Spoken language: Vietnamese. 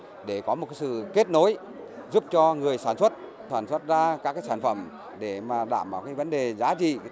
để có một sự kết nối giúp cho người sản xuất sản xuất ra các sản phẩm để mà đảm bảo cái vấn đề giá trị